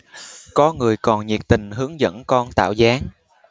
có người còn nhiệt tình hướng dẫn con tạo dáng